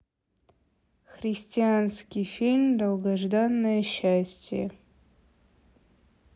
христианский фильм долгожданное счастье